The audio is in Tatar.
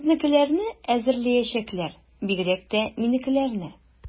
Безнекеләрне эзәрлекләячәкләр, бигрәк тә минекеләрне.